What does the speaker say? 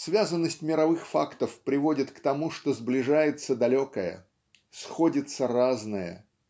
Связанность мировых фактов приводит к тому что сближается далекое сходится разное